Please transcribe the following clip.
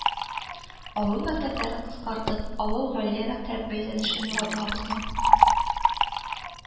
Авыл мәктәпләрен кыскартып, авыл гаилә мәктәп бәйләнешен югалтмабызмы